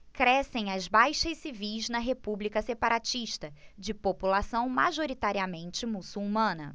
crescem as baixas civis na república separatista de população majoritariamente muçulmana